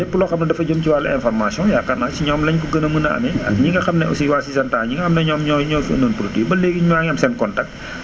lépp loo xam ne dafa jëm si wàllu information yaakaar naa si ñoom la ñu ko gën a mën a amee ak ñi nga xam ne aussi waa Syngenta ñi nga xam ne ñoom ñooy ñoom ñoo fi indiwoon produit ba léegi maa ngi am seen contact